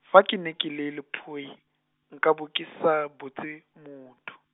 fa ke ne ke le lephoi, nka bo ke sa, botse, motho.